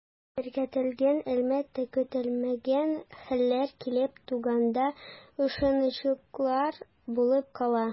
Беркетелгән элемтә көтелмәгән хәлләр килеп туганда ышанычлырак булып кала.